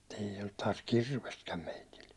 mutta ei ollut taas kirvestäkään meillä